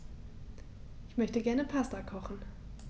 Ich möchte gerne Pasta kochen.